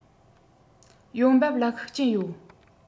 ཡོང འབབ ལ ཤུགས རྐྱེན ཡོད